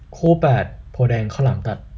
คู่แปดโพธิ์แดงข้าวหลามตัด